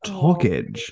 Toggage?